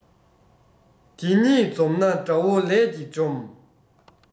དེ གཉིས འཛོམས ན དགྲ བོ ལས ཀྱིས འཇོམས